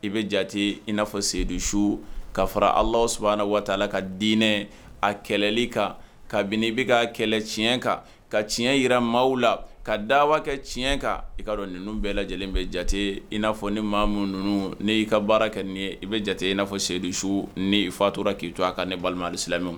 I bɛ ja i na fɔ seyidu su ka fara alas waati la ka diinɛ a kɛlɛli kan kabini i bɛ ka kɛlɛ tiɲɛ kan ka tiɲɛ jirara maaw la ka daba kɛ tiɲɛ kan i ka ninnu bɛɛ lajɛlen bɛ jate i n'a fɔ ni maamu ninnu n y'i ka baara kɛ nin ye i bɛ jate i n'a fɔ seyidu su ni i fa tora k'i to a ka ni balimalamu